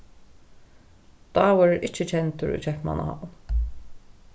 dávur er ikki kendur í keypmannahavn